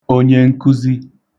onyenkụzi